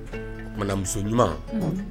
Oumanamuso ɲuman